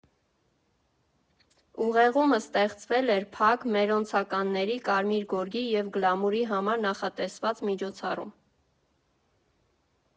Ուղեղումս ստեղծվել էր փակ, «մերոնցականների»՝ կարմիր գորգի և գլամուրի համար նախատեսված միջոցառում։